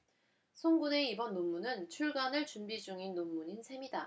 송 군의 이번 논문은 출간을 준비 중인 논문인 셈이다